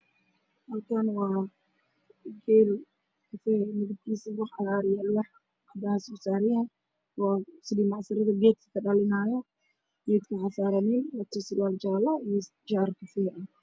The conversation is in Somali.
Waa qalab nin ayaa dul saaran waxaa ag taagan geel oo wareeganaayo oo ku xiran meesha